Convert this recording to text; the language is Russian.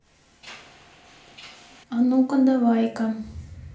а ну ка давайка